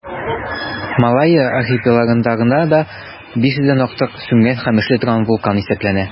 Малайя архипелагында гына да 500 дән артык сүнгән һәм эшли торган вулкан исәпләнә.